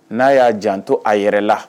N'a y'a jan to a yɛrɛ la